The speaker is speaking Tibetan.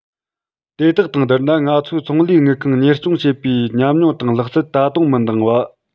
དེ དག དང བསྡུར ན ང ཚོས ཚོང ལས དངུལ ཁང གཉེར སྐྱོང བྱེད པའི ཉམས མྱོང དང ལག རྩལ ད དུང མི འདང བ